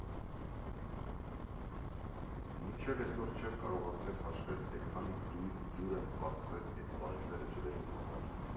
Մինչև էսօր չեմ կարողացել հաշվել, թե քանի դույլ ջուր եմ ծախսել էդ ծաղիկները ջրելու համար։